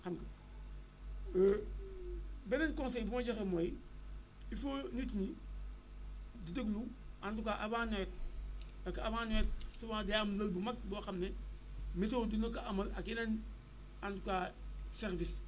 xam nga beneen conseil bi may joxe mooy il faut nit ñi di déglu en tout cas avant nawet parce que avant nawet souvent day am lël bu mag boo xam ne météo dina ko amal ak yeneen en tout cas service